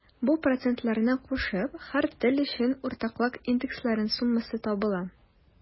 Бу процентларны кушып, һәр тел өчен уртаклык индекслары суммасы табыла.